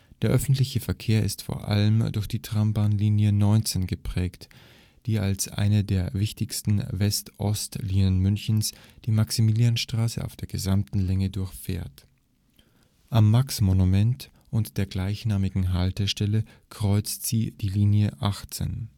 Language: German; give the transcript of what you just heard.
Der öffentliche Verkehr ist vor allem durch die Trambahn-Linie 19 geprägt, die als eine der wichtigsten West-Ost-Linien Münchens die Maximilianstraße auf der gesamten Länge durchfährt. Am Maxmonument und der gleichnamigen Haltestelle kreuzt sie die Linie 18.